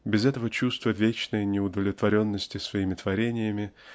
Без этого чувства вечной неудовлетворенности своими творениями